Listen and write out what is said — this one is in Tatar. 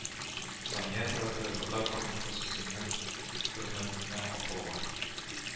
Сания кратеры татар хатын-кыз исеме хөрмәтенә аталган